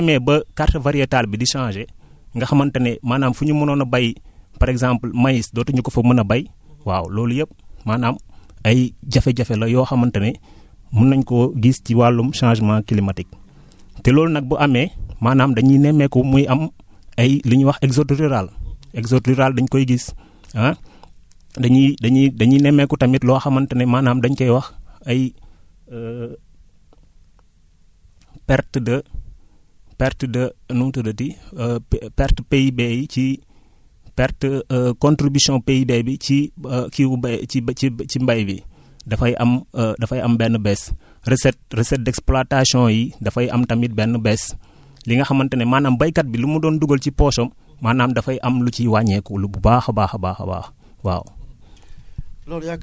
léegi nag bu demee ba carte variétale bi di changer nga xamante maanaam fu ñu mënoon a bay par exemple maïs dootuñu ko fa mën a bay waaw loolu yépp maanaam ay jafe-jafe la yoo xamante ne mun nañ koo gis ci wàllum changement climatique te loolu nag bu amee maanaam dañuy nemmeeku muyam ay li ñuy wax exode rural exode rural dañ koy gis ah dañuy dañuy dañuy nemmeeku tamit loo xamante ne maanaam dañ koy wax ay perte de perte de nu mu tuddati perte PIB yi ci perte contribution PIB bi ci kii wu ba ci ba ci mbay bi dafay am dafay am benn baisse recette recette d' exploitation yi dafay am tamit benn baisse li nga xamate ne maanaam baykat bi lu mu doon dugal ci poche am maanaam dafay am lu ci wàññeeku lu baax a baax a baax a baax waaw